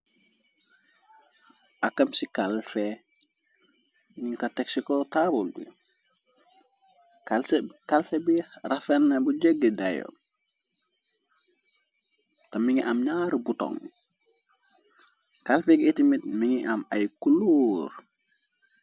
Akam ci kalfe ñu ka teg ci ko taawul bi kalfe bi raferna bu jegg dayo te mi ngi am gñaaru bhutoŋ kalfe gi itimite mi ngi am ay kuluur.